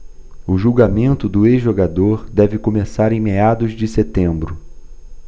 o julgamento do ex-jogador deve começar em meados de setembro